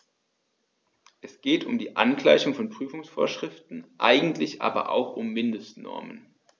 Es geht um die Angleichung der Prüfungsvorschriften, eigentlich aber auch um Mindestnormen.